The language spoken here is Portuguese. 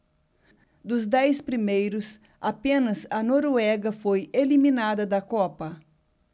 dos dez primeiros apenas a noruega foi eliminada da copa